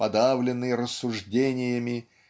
подавленный рассуждениями